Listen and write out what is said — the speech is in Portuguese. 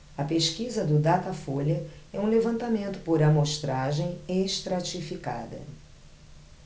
a pesquisa do datafolha é um levantamento por amostragem estratificada